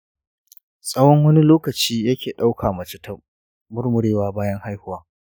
tsawon wani lokaci yake ɗauka mace ta murmurewa bayan haihuwa